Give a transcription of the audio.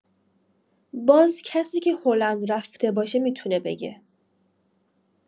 باز کسی که هلند رفته باشه می‌تونه بگه